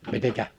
miten